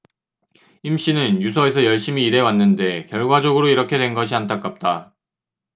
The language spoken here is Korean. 임씨는 유서에서 열심히 일해왔는데 결과적으로 이렇게 된 것이 안타깝다